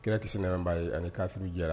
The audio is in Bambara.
Kira kisi kana' ye ani'f jɛra